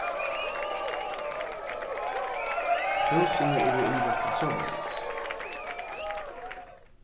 húsini eru innrættað soleiðis